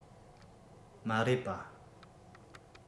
མ རེད པ